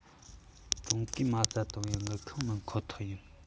ཀྲུང གོས མ རྩ བཏང བའི དངུལ ཁང མིན ཁོ ཐག ཡིན